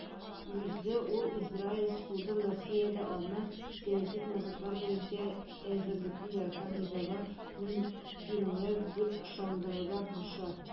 Үзе ул Израиль судын Россиядә аны сәяси мотивлар буенча эзәрлеклиләр һәм җәзаларга мөмкиннәр дип ышандырырга тырыша.